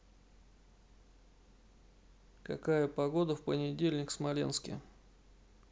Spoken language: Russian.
какая погода в понедельник в смоленске